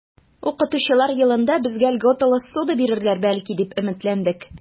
Укытучылар елында безгә льготалы ссуда бирерләр, бәлки, дип өметләндек.